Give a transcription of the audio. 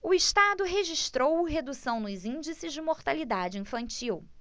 o estado registrou redução nos índices de mortalidade infantil